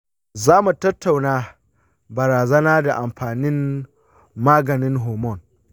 za mu tattauna barazana da amfanin maganin homon.